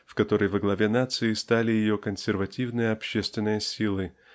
в которой во главе нации стали ее консервативные общественные силы